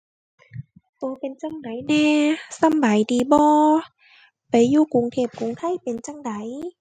ตัวเป็นจั่งใดแน่ สำบายดีบ่ ไปอยู่กรุงเทพกรุงไทเป็นจั่งใด